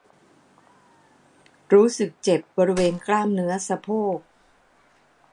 รู้สึกเจ็บบริเวณกล้ามเนื้อสะโพก